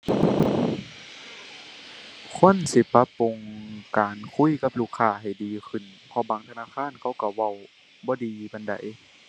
ควรสิปรับปรุงการคุยกับลูกค้าให้ดีขึ้น เพราะบางธนาคาร เขาก็เว้าบ่ดีปานใด